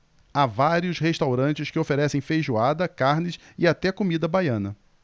há vários restaurantes que oferecem feijoada carnes e até comida baiana